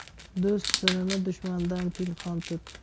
do'st sirini dushmandan pinhon tut